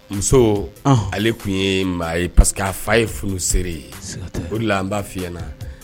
Muso ale tun ye maa ye pa que'a fa ye furuse ye an b'a fiyɲɛna